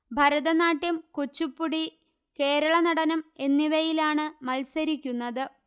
ഭരതനാട്യം കുച്ചുപ്പുടി കേരളനടനം എന്നിവയിലാണ് മത്സരിക്കുന്നത്